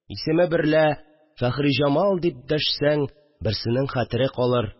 Исеме берлә: «Фәхриҗамал!» – дип дәшсәң, берсенең хәтере калыр